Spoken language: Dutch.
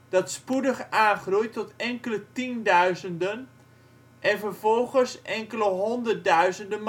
dat spoedig aangroeit tot enkele tienduizenden, en vervolgens enkele honderdduizenden